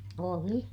oli